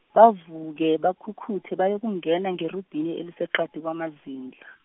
bavuke, bakhukhuthe, bayokungena ngerubhini eliseqadi kwamazindla.